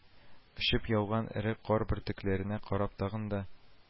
Очып яуган эре кар бөртекләренә карап тагын да